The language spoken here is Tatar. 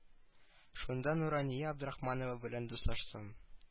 Шунда нурания абдрахманова белән дуслаштым